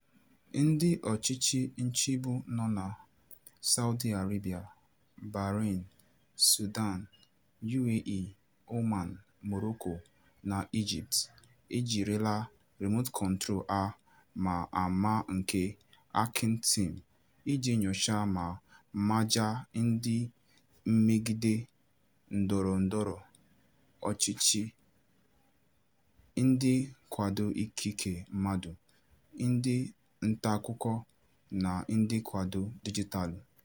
Ndị ọchịchị nchịgbu nọ na Saudi Arabia, Bahrain, Sudan, UAE, Oman, Morocco na Egypt ejirila “Remote Control System” a ma ama nke Hacking Team iji nyochaa ma majaa ndị mmegide ndọrọndọrọ ọchịchị, ndị nkwado ikike mmadụ, ndị ntaakụkọ na ndị nkwado dijitaalụ.